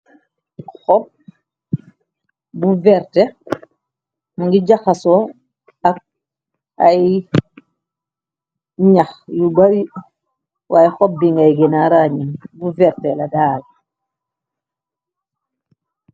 Xob bu verte mungi jaxasoo ak ay ñax yu bari waay xob bi ngay gina rañi bu verte la daal.